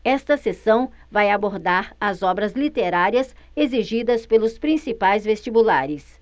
esta seção vai abordar as obras literárias exigidas pelos principais vestibulares